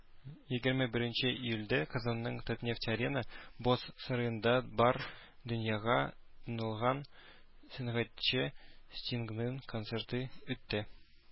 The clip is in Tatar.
Егерме беренче июльдә Казанның "Татнефть-Арена" боз сараенда бар дөньяга танылган сәнгатьче Стингның концерты үтте.